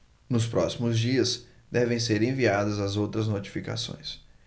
nos próximos dias devem ser enviadas as outras notificações